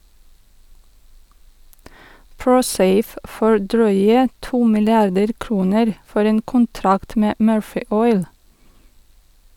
"Prosafe" får drøye to milliarder kroner for en kontrakt med "Murphy Oil".